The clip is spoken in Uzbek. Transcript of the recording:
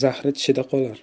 zahri tishida qolar